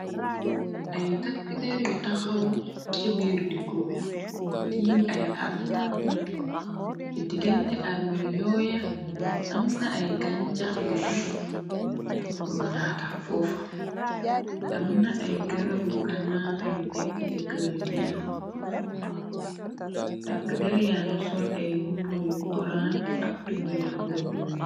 Ay takk der yu taxaw ca biir diggoo tiim ay armel ci digante armel yooye am na ay gañ cax yuñu fat ru natal fuufa am na ay gara bu ganaana yu nekkb ca kër yu dendu takk der yang sol ay mbub buy orange aktubey bula wuñu.